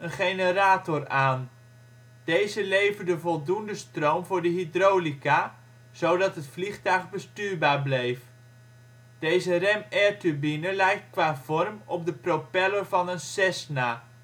generator aan. Deze leverde voldoende stroom voor de hydraulica, zodat het vliegtuig bestuurbaar bleef. Deze ram air turbine lijkt qua vorm op de propeller van een Cessna